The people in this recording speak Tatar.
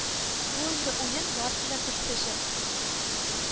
Бүгенге уен барысын да күрсәтәчәк